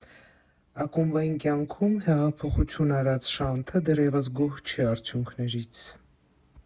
Ակումբային կյանքում հեղափոխություն արած Շանթը դեռևս գոհ չէ արդյունքներից։